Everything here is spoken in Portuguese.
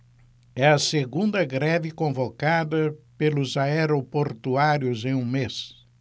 é a segunda greve convocada pelos aeroportuários em um mês